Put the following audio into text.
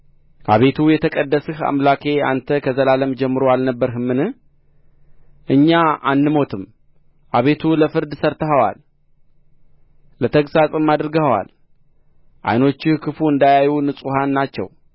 አቤቱ የተቀደስህ አምላኬ ሆይ አንተ ከዘላለም ጀምሮ አልነበርህምን እኛ አንሞትም አቤቱ ለፍርድ ሠርተኸዋል ለተግሣጽም አድርገኸዋል ዓይኖችህ ክፉ እንዳያዩ ንጹሐን ናቸው